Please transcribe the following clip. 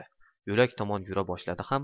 yo'lak tomon yura boshladi ham